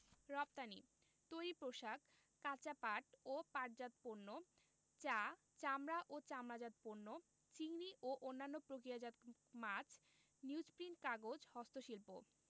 রপ্তানিঃ তৈরি পোশাক কাঁচা পাট ও পাটজাত পণ্য চা চামড়া ও চামড়াজাত পণ্য চিংড়ি ও অন্যান্য প্রক্রিয়াজাত মাছ নিউজপ্রিন্ট কাগজ হস্তশিল্প